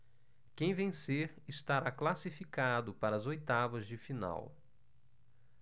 quem vencer estará classificado para as oitavas de final